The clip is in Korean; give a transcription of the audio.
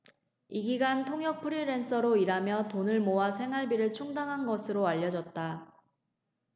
이 기간 통역 프리랜서로 일하며 돈을 모아 생활비를 충당한 것으로 알려졌다